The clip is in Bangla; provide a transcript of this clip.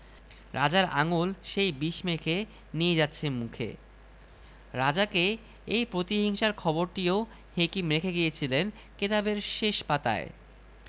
রাজার আঙুল সেই বিষ মেখে নিয়ে যাচ্ছে মুখে রাজাকে এই প্রতিহিংসার খবরটিও হেকিম রেখে গিয়েছিলেন কেতাবের শেষ পাতায়